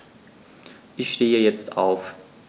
Ich stehe jetzt auf.